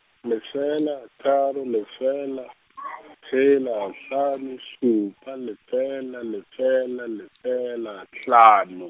lefela, tharo, lefela , tshela, hlano, šupa, lefela, lefela, lefela, hlano.